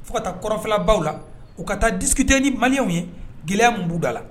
Fo ka taa kɔrɔnfɛlabaw la u ka taa discuté ni malien w ye gɛlɛya mun b'u da la